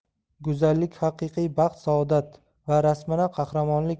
go'zallik haqiqiy baxt saodat va rasmana